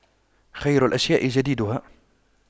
خير الأشياء جديدها